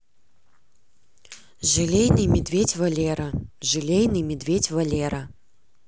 желейный медведь валера желейный медведь валера